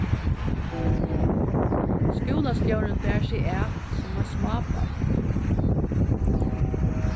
skúlastjórin bar seg at sum eitt smábarn